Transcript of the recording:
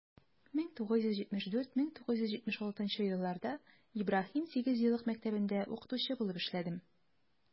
1974 - 1976 елларда ибраһим сигезьеллык мәктәбендә укытучы булып эшләдем.